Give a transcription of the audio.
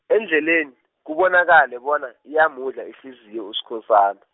endleleni, kubonakale bona, iyamudla ihliziyo Uskhosan- .